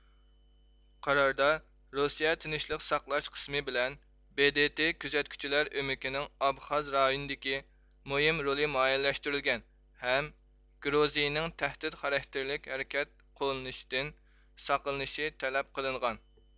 قاراردا روسىيە تىنچلىق ساقلاش قىسىمى بىلەن بې دې تې كۆزەتكۈچىلەر ئۆمىكىنىڭ ئابخاز رايونىدىكى مۇھىم رولى مۇئەييەنلەشتۈرۈلگەن ھەم گروزىيىنىڭ تەھدىت خاراكتېرلىك ھەرىكەت قوللىنىشتىن ساقلىنىشى تەلەپ قىلىنغان